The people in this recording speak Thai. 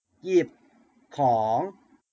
หยิบของ